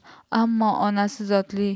ammo onasi zotli